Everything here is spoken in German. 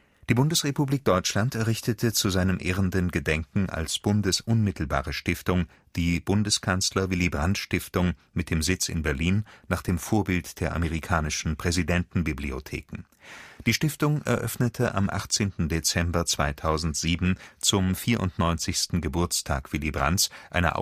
Bundesrepublik Deutschland errichtete zu seinem ehrenden Gedenken als bundesunmittelbare Stiftung die Bundeskanzler-Willy-Brandt-Stiftung mit dem Sitz in Berlin nach dem Vorbild der amerikanischen Präsidentenbibliotheken. Die Stiftung eröffnete am 18. Dezember 2007, zum 94. Geburtstag Willy Brandts, eine